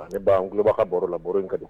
Ne ba n tulob'a' ka baro la baro in kadi